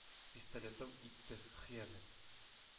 Пистолетым итте хыянәт!